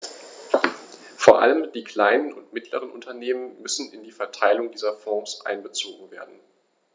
Vor allem die kleinen und mittleren Unternehmer müssen in die Verteilung dieser Fonds einbezogen werden.